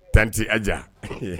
Tan tɛ a diya